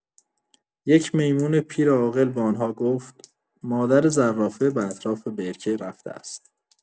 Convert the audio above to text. یک میمون پیر عاقل به آنها گفت: مادر زرافه به‌طرف برکه رفته است.